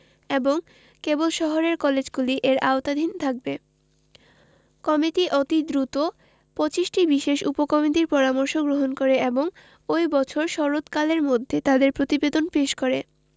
এবং কেবল শহরের কলেজগুলি এর আওতাধীন থাকবে কমিটি অতি দ্রুত ২৫টি বিশেষ উপকমিটির পরামর্শ গ্রহণ করে এবং ওই বছর শরৎকালের মধ্যেই তাদের প্রতিবেদন পেশ করে